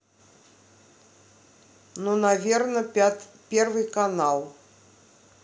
ну наверно первый канал